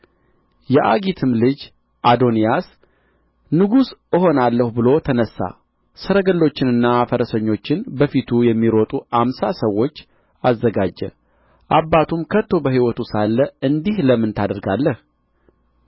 የአጊትም ልጅ አዶንያስ ንጉሥ እሆናለሁ ብሎ ተነሣ ሰረገሎችንና ፈረሰኞችን በፊቱም የሚሮጡ አምሳ ሰዎች አዘጋጀ አባቱም ከቶ በሕይወቱ ሳለ እንዲህ ለምን ታደርጋለህ